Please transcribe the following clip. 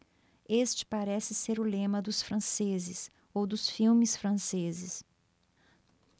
este parece ser o lema dos franceses ou dos filmes franceses